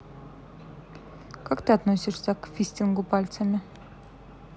как ты относишься к фистингу пальцами